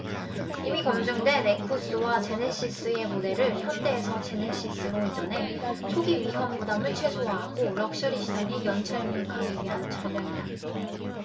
이미 검증된 에쿠스와 제네시스의 모델을 현대에서 제네시스로 이전해 초기 위험부담을 최소화하고 럭셔리 시장에 연착륙하기 위한 전략이다